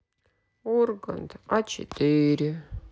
ургант а четыре